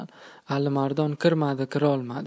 alimardon kirmadi kirolmadi